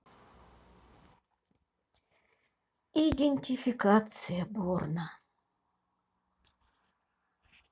идентификация борна